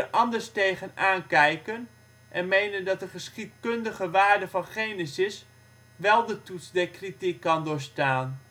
anders tegen aankijken en menen dat de geschiedkundige waarde van Genesis wel de toets der kritiek kan doorstaan